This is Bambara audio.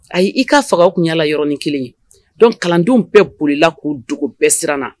Ayi i k kaa faga tun yaala yɔrɔin kelen ye dɔn kalandenw bɛɛ bolila k'u dugu bɛɛ siran na